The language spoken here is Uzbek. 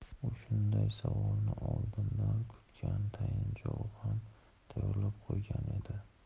u shunday savolni oldindan kutgan tayin javob ham tayyorlab qo'ygan edi